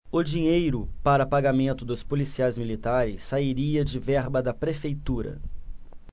o dinheiro para pagamento dos policiais militares sairia de verba da prefeitura